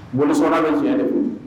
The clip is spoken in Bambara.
Bɔn bɛ tiɲɛ de ko